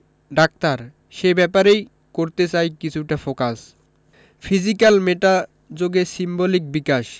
doctor সে ব্যাপারেই করতে চাই কিছুটা ফোকাস ফিজিক্যাল মেটা যোগে সিম্বলিক বিকাশ